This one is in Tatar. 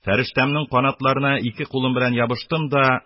Фәрештәнең канатларына ике кулым белән ябыштым да,